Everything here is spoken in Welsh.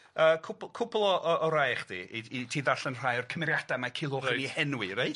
yy cwpwl cwpwl o o rai i chdi i i ti ddarllen rhai o'r cymeriada ma' Culhwch yn 'u henwi reit?